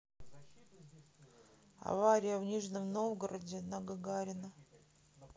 авария в нижнем новгороде на гагарина